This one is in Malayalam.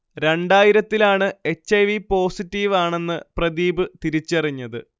രണ്ടായിരത്തിലാണ് എച്ച്. ഐ. വി പോസിറ്റീവാണെന്ന് പ്രദീപ് തിരിച്ചറിഞ്ഞത്